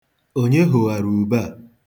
Onye hoghara ube a?